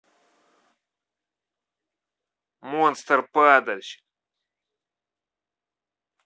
monster падальщик